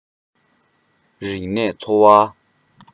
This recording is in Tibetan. རིག གནས འཚོ བ